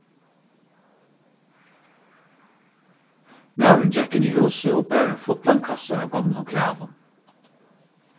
maðurin gekk inn í húsið og bar ein fullan kassa av gomlum klæðum